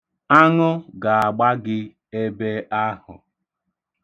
Aṅụ ga-agba gị ebe ahụ.